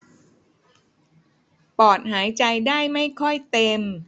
ปอดหายใจได้ไม่ค่อยเต็ม